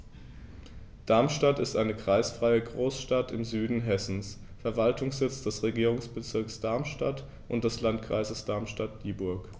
Darmstadt ist eine kreisfreie Großstadt im Süden Hessens, Verwaltungssitz des Regierungsbezirks Darmstadt und des Landkreises Darmstadt-Dieburg.